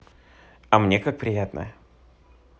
а мне как приятно